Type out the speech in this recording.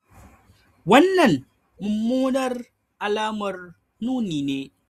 Wannan mumunan alamar nuni ne